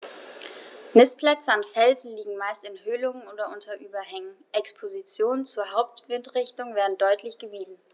Nistplätze an Felsen liegen meist in Höhlungen oder unter Überhängen, Expositionen zur Hauptwindrichtung werden deutlich gemieden.